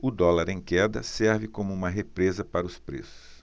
o dólar em queda serve como uma represa para os preços